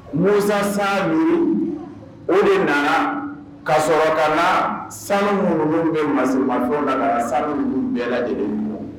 Musa san duuru o de nana ka sɔrɔ ka la sanu minnu ninnu bɛ mamafɛn la sanu minnu bɛɛ lajɛ lajɛlen ma